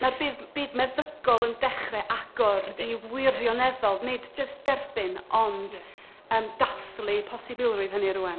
Ma'r byd byd meddygol yn dechrau agor i wirioneddol, nid jyst derbyn, ond yym dathlu posibilrwydd hynny rŵan.